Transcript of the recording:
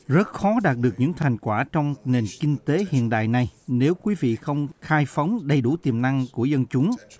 rất khó đạt được những thành quả trong nền kinh tế hiện đại này nếu quý vị không khai phóng đầy đủ tiềm năng của dân chúng